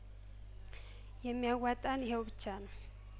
የሚ ያዋጣን ይኸው ብቻ ነው